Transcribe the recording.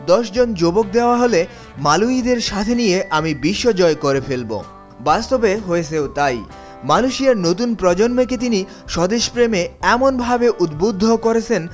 ১০ জন যুবক দেয়া হলে মালয়ী দের সাথে নিয়ে আমি বিশ্বজয় করে ফেলব বাস্তবে হয়েছেও তাই মালয়েশিয়ার নতুন প্রজন্মকে তিনি স্বদেশপ্রেমে এমনভাবে উদ্বুদ্ধ করেছেন